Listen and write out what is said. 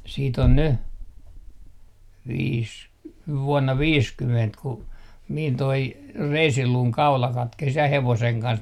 sitten on nyt viisi vuonna viisikymmentä kun minun tuo reisiluun kaula katkesi ja hevosen kanssa